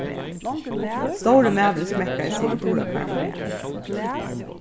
stóri maðurin smekkaði seg í durakarmin